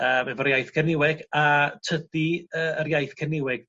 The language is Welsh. yym efo'r iaith Gerniweg a tydi yy yr iaith Cerniweg